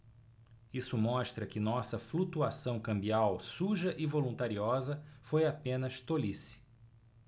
isso mostra que nossa flutuação cambial suja e voluntariosa foi apenas tolice